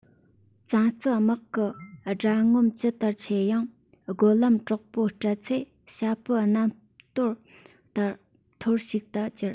བཙན འཛུལ དམག གི དགྲ ངོམ ཇི ལྟར ཆེ ཡང རྒོལ ལན དྲག པོ སྤྲད ཚེ བྱ སྤུ གནམ སྟོར ལྟར འཐོར ཞིག ཏུ འགྱུར